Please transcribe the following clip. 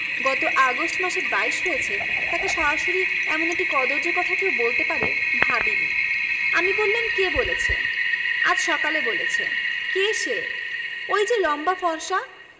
গত আগস্ট মাসে বাইশ হয়েছে তাকে সরাসরি এমন একটি কদৰ্য কথা কেউ বলতে পারে ভাবিনি আমি বললাম কে বলেছে আজ সকালে বলেছে কে সে ঐ যে লম্বা ফর্সা